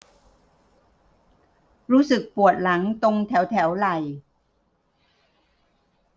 รู้สึกปวดหลังตรงแถวแถวไหล่